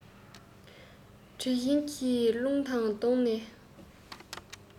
དྲི བཞིན གྱི རླུང དང བསྡོངས ནས